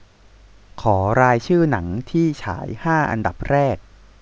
ขอรายชื่อหนังที่ฉายห้าอันดับแรก